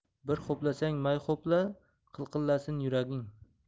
bir ho'plasang may ho'pla qilqillasin yuraging